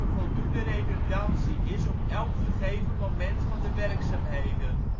voldoende redundantie is op elk gegeven moment van de werkzaamheden